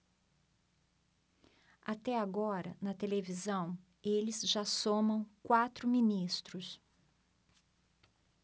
até agora na televisão eles já somam quatro ministros